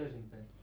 toisinpäin